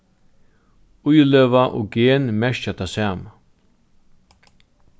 ílega og gen merkja tað sama